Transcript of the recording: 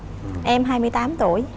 em hai mươi tám tủi